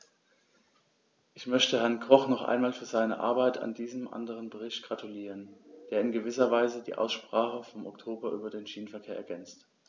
Ich möchte Herrn Koch noch einmal für seine Arbeit an diesem anderen Bericht gratulieren, der in gewisser Weise die Aussprache vom Oktober über den Schienenverkehr ergänzt.